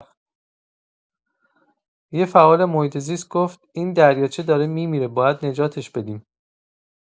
یه فعال محیط‌زیست گفت «این دریاچه داره می‌میره، باید نجاتش بدیم.»